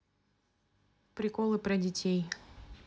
приколы про детей